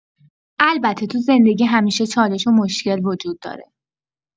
البته تو زندگی همیشه چالش و مشکل وجود داره.